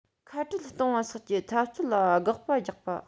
ཁ བྲལ གཏོང བ སོགས ཀྱི འཐབ རྩོད ལ དགག པ རྒྱག པ